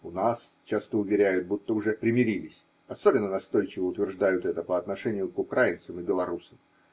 У нас часто уверяют, будто уже примирились особенно настойчиво утверждают это по отношению к украинцам и белоруссам.